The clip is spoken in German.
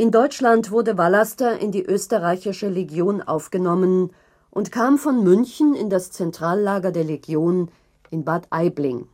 Deutschland wurde Vallaster in die Österreichische Legion aufgenommen und kam von München in das Zentrallager der Legion in Bad Aibling